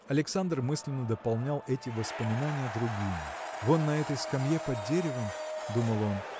Александр мысленно дополнял эти воспоминания другими Вон на этой скамье под деревом – думал он